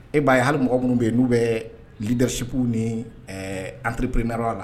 E baa ye hali mɔgɔ minnu bɛ yen n'u bɛ lidsip ni anpriperemeinaruya la